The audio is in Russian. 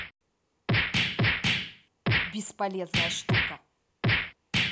бесполезная штука